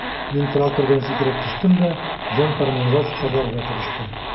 Мин трактордан сикереп төштем дә җан-фәрманга чабарга керештем.